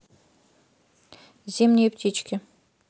зимние птички